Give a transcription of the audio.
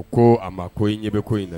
Ko a ma ko i ɲɛ bɛ ko in na